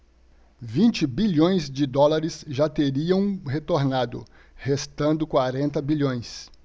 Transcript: vinte bilhões de dólares já teriam retornado restando quarenta bilhões